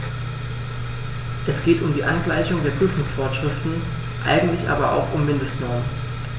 Es geht um die Angleichung der Prüfungsvorschriften, eigentlich aber auch um Mindestnormen.